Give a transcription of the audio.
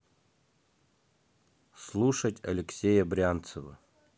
слушать алексея брянцева